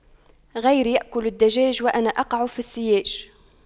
غيري يأكل الدجاج وأنا أقع في السياج